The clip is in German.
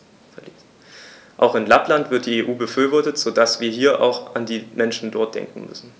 Auch in Lappland wird die EU befürwortet, so dass wir hier auch an die Menschen dort denken müssen.